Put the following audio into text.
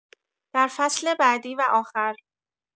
در فصل بعدی و آخر